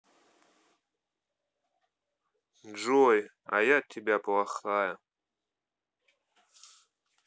джой а я тебя плохая